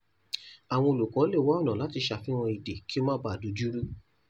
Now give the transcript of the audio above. Àwọn olùkọ́ lè wá ọ̀nà láti ṣe àfihàn èdè kí ó má baà dojú rú.